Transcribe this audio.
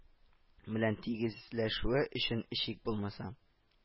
Белән тигезләшүе өчен эчик, булмаса